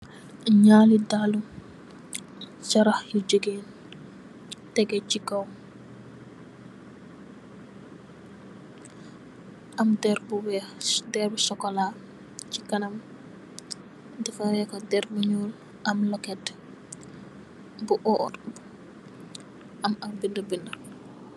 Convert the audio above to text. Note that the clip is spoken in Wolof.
Ñaari dalli carax yu jigeen tegeh ci kaw, am der bu wèèx, deru sokola ci kanam, defaree ko dèr bu ñuul am loket bu órr am ab bindi bindi.